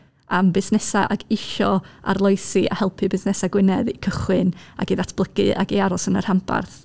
am busnesau ac isio arloesi a helpu busnesau Gwynedd cychwyn ac i ddatblygu ac i aros yn y rhanbarth.